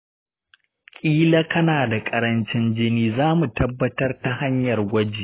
kila kana da karancin jini; za mu tabbatar ta hanyar gwaji.